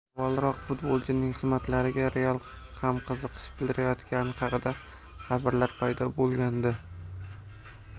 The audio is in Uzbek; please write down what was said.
avvalroq futbolchining xizmatlariga real ham qiziqish bildirayotgani haqida xabarlar paydo bo'lgandi